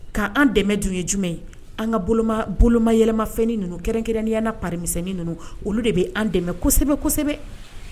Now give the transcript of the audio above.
K' an dɛmɛ dun ye jumɛn ye an ka bolo yɛlɛmaɛlɛfɛn ninnu kɛrɛnkɛrɛnnenya pamisɛnnin ninnu olu de bɛ an dɛmɛ kosɛbɛ kosɛbɛ